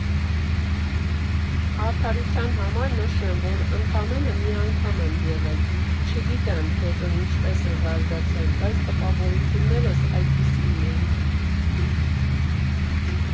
Արդարության համար նշեմ, որ ընդամենը մի անգամ եմ եղել, չգիտեմ՝ հետո ինչպես է զարգացել, բայց տպավորություններս այդպիսինն էին։